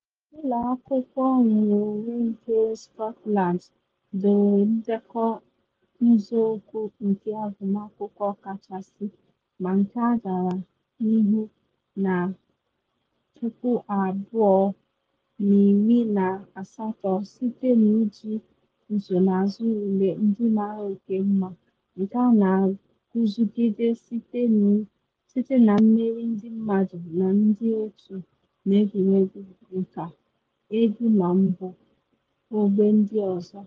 Ụlọ akwụkwọ nnwere onwe nke Scotland dowere ndekọ nzọụkwụ nke agụmakwụkwọ kachasị, ma nke a gara n’ihu na 2018 site na iji nsonaazụ ule ndị mara oke mma, nke a na agụzogide site na mmeri ndị mmadụ na ndị otu n’egwuregwu, nka, egwu na mbọ ogbe ndị ọzọ.